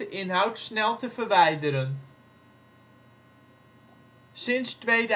inhoud snel te verwijderen. Sinds 2005